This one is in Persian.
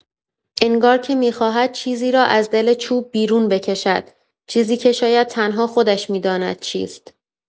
انگار که می‌خواهد چیزی را از دل چوب بیرون بکشد، چیزی که شاید تنها خودش می‌داند چیست.